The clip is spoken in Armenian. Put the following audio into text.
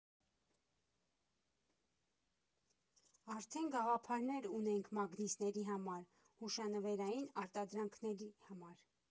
Արդեն գաղափարներ ունենք մագնիսների համար, հուշանվերային արտադրանքներ համար։